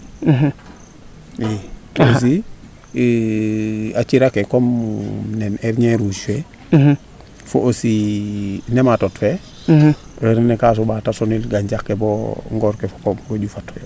i te aussi a cira ke comme nen fo aussi nama tod fee heure nene kaa soɓa te sonil gancax ke boo ngoor ke fop a njufat